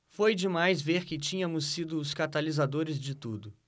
foi demais ver que tínhamos sido os catalisadores de tudo